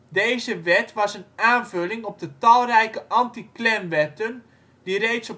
Deze wet was een aanvulling op de talrijke anti-Klanwetten die reeds